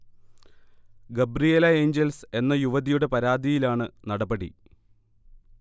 Gabriela Angels എന്ന യുവതിയുടെ പരാതിയിലാണ് നടപടി